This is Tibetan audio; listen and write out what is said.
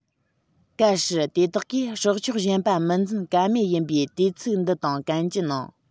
གལ སྲིད དེ དག གིས སྲོག ཆགས གཞན པ མི འཛིན ག མེད ཡིན པའི དུས ཚིགས འདི དང གན གྱི ནང